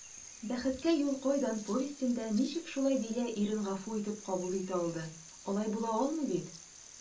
«бәхеткә юл кайдан» повестенда ничек шулай дилә ирен гафу итеп кабул итә алды, алай була алмый бит?»